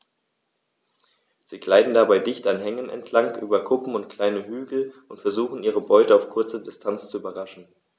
Sie gleiten dabei dicht an Hängen entlang, über Kuppen und kleine Hügel und versuchen ihre Beute auf kurze Distanz zu überraschen.